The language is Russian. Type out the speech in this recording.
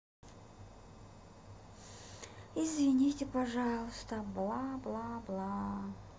извините пожалуйста бла бла бла